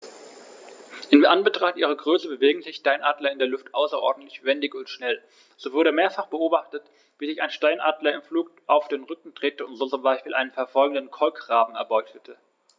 In Anbetracht ihrer Größe bewegen sich Steinadler in der Luft außerordentlich wendig und schnell, so wurde mehrfach beobachtet, wie sich ein Steinadler im Flug auf den Rücken drehte und so zum Beispiel einen verfolgenden Kolkraben erbeutete.